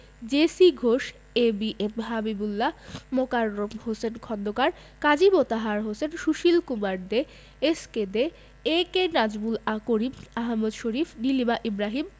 J C Ghosh A B M Habibullah Mokarram Hossain Khandakar Kazi Motahar Hossain Sushil Kumar De S K De A K Nazmul Karim Ahmad Sharif Nilima Ibrahim